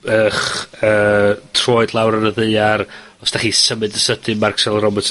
'ych, yy, troed lawr ar y ddaear. Os 'dach chi symud yn sydyn, ma'r accelerometer...